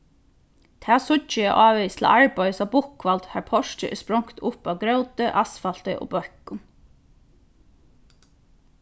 tað síggi eg ávegis til arbeiðis á bukkvald har portrið er sprongt upp av gróti asfalti og bøkkum